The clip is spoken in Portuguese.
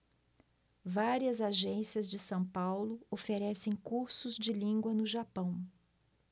várias agências de são paulo oferecem cursos de língua no japão